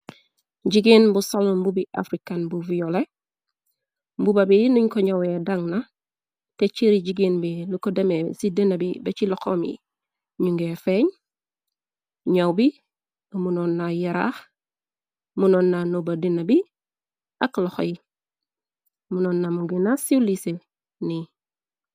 Jigéen bu solom bubi african bu viole mbuba bi nuñ ko ñowee dang na te ciiri jigéen bi lu ko deme ci dina bi bi ci loxoom yi ñu ngee feeñ ñoow bi munoon na yaraax munoon na nuba dina bi aq loxoy munoon namu gina siiwliise ni.